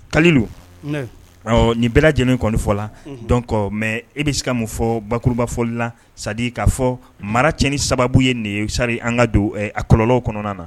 Ka don ɔ nin bɛɛ lajɛlen kɔnifɔ la dɔn kɔ mɛ e bɛ se ka mun fɔ bakuruba fɔli la sa kaa fɔ maraci sababu ye nin sari an ka don a kɔlɔlɔ kɔnɔna na